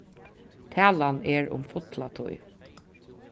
talan er um fulla tíð